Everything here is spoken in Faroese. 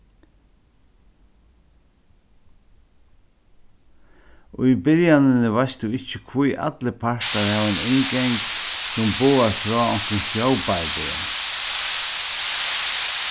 í byrjanini veitst tú ikki hví allir partar hava ein inngang sum boðar frá onkrum sjóbardaga